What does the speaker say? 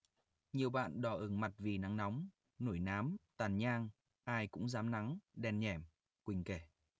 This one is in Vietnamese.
nhiều bạn đỏ ửng mặt vì nắng nóng nổi nám tàn nhang ai cũng rám nắng đen nhẻm quỳnh kể